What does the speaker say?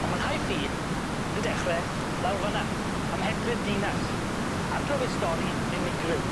On' ma'n nhaith i yn dechre lawr fyn 'na ym Mhentre Dinas ar drywydd stori unigryw.